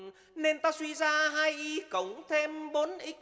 nên ta suy ra hai y cộng thêm bốn ích